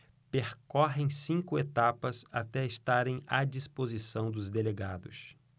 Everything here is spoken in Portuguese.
percorrem cinco etapas até estarem à disposição dos delegados